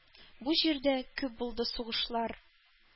Бу җирдә күп булды сугышлар,